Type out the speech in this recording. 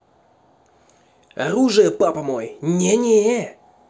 оружие папа мой не не